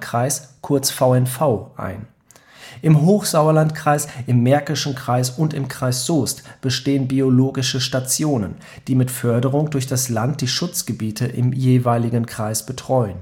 VNV) ein. Im Hochsauerlandkreis, im Märkischen Kreis und im Kreis Soest bestehen biologische Stationen, die mit Förderung durch das Land die Schutzgebiete im jeweiligen Kreis betreuen